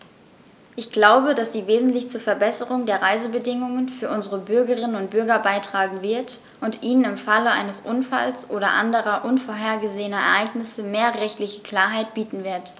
Ich glaube, dass sie wesentlich zur Verbesserung der Reisebedingungen für unsere Bürgerinnen und Bürger beitragen wird, und ihnen im Falle eines Unfalls oder anderer unvorhergesehener Ereignisse mehr rechtliche Klarheit bieten wird.